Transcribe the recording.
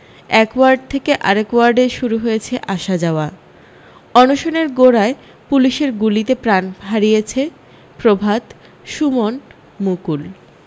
এক ওয়ার্ড থেকে আরেক ওয়ার্ডে শুরু হয়েছে আসা যাওয়া অনশনের গোড়ায় পুলিশের গুলিতে প্রাণ হারিয়েছে প্রভাত সুমন মুকুল